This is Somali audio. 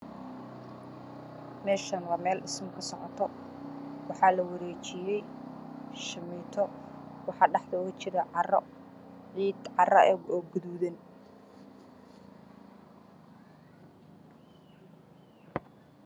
Meeshaan waa meel dhismo ka socoto waxaa lawareejiyay shamiito waxaa dhexda ogajiro carro gaduudan.